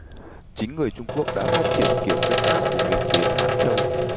chính người trung quốc đã phát triển kiểu canh tác của mình đến mãn châu